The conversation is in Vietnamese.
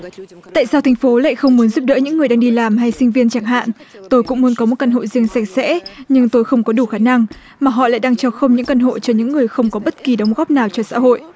tại sao thành phố lại không muốn giúp đỡ những người đang đi làm hay sinh viên chẳng hạn tôi cũng muốn có một căn hộ riêng sạch sẽ nhưng tôi không có đủ khả năng mà họ lại đang treo không những căn hộ cho những người không có bất kỳ đóng góp nào cho xã hội